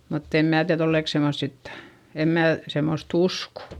mutta en minä tiedä ollenkaan semmoista sitten en minä semmoista usko